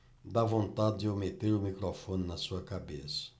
dá vontade de eu meter o microfone na sua cabeça